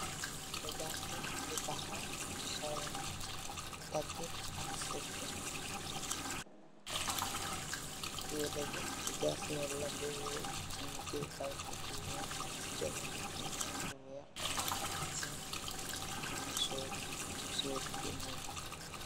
Jaañxa bu taxaw sol daggit, ak sippu. Yire bi jasneer la, mu ngi tiye kalpe bu weex, si dënnë bi mu ngi am lu weex, takkë ceen, musooru, musóor bu ñuul.